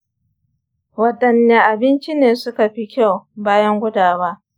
wadanne abinci ne suka fi kyau bayan gudawa?